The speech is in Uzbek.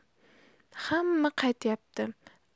hamma qaytyapti